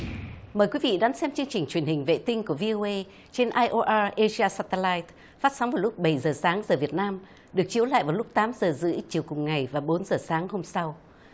mời quý vị đang xem chương trình truyền hình vệ tinh của vi ô ê trên ai ô a ê xia xa ta lay phát sóng vào lúc bảy giờ sáng giờ việt nam được chiếu lại vào lúc tám giờ rưỡi chiều cùng ngày và bốn giờ sáng hôm sau